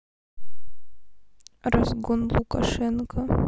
разгон лукашенко